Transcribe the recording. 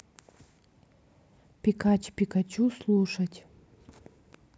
пикач пикачу слушать